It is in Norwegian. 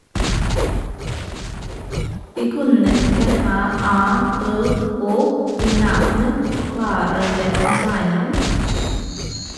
- Vi kunne ikke ha æ, ø, å i navnet, forklarer webdesigneren.